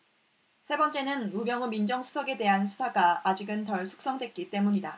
세 번째는 우병우 민정수석에 대한 수사가 아직은 덜 숙성됐기 때문이다